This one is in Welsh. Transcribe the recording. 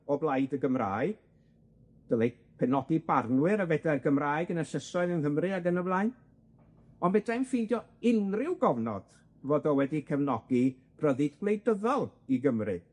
o blaid y Gymraeg, dylai penodi barnwyr a fedrai'r Gymraeg yn u llysoedd yn Nghymru ag yn y blaen, ond fedrai'm ffeindio unrhyw gofnod fod o wedi cefnogi ryddid gwleidyddol i Gymru.